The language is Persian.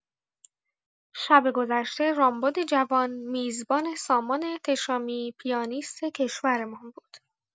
شب گذشته رامبد جوان، میزبان سامان احتشامی پیانیست کشورمان بود.